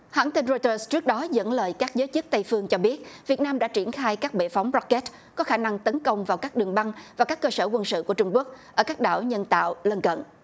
hãng tin roi tơ trước đó dẫn lời các giới chức tây phương cho biết việt nam đã triển khai các bệ phóng róc két có khả năng tấn công vào các đường băng và các cơ sở quân sự của trung quốc ở các đảo nhân tạo lân cận